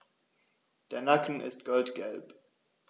Der Nacken ist goldgelb.